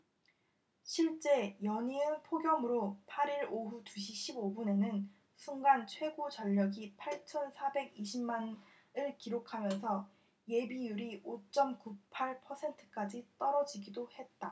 실제 연이은 폭염으로 팔 일 오후 두 시 십 오 분에는 순간 최고전력이 팔천 사백 이십 만 를 기록하면서 예비율이 오 쩜 구 팔 퍼센트까지 떨어지기도 했다